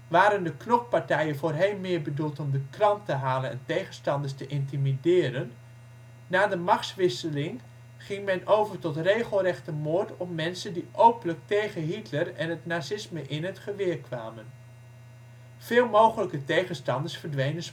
Waren de knokpartijen voorheen meer bedoeld om de krant te halen en tegenstanders te intimideren, na de machtswisseling ging men over tot regelrechte moord op mensen die openlijk tegen Hitler en het nazisme in het geweer kwamen. Veel (mogelijke) tegenstanders verdwenen